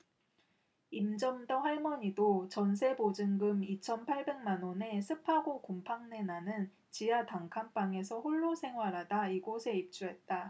임점덕 할머니도 전세 보증금 이천 팔백 만원의 습하고 곰팡내 나는 지하 단칸방에서 홀로 생활하다 이곳에 입주했다